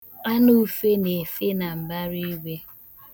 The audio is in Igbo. Anụ ufe na-efe na mbaraigwe.